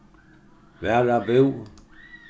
varðabú